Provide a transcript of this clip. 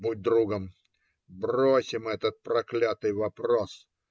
будь другом, бросим этот проклятый вопрос.